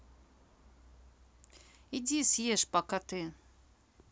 иди съешь пока ты